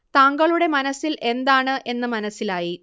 താങ്കളുടെ മനസ്സിൽ എന്താണ് എന്ന് മനസ്സിലായി